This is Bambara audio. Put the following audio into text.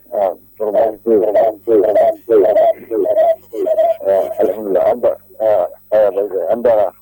Kun kun yo yoba